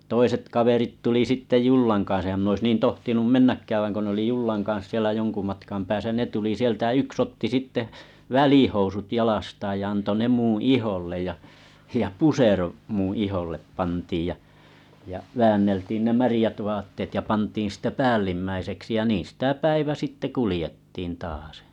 toiset kaverit tuli sitten jollan kanssa enhän minä olisi niin tohtinut mennäkään vaan kun ne oli jollan kanssa siellä jonkun matkan päässä ne tuli sieltä ja yksi otti sitten välihousut jalastaan ja antoi ne minun iholle ja ja pusero minun iholle pantiin ja ja väänneltiin ne märät vaatteet ja pantiin sitten päällimmäiseksi ja niin sitä päivä sitten kuljettiin taasen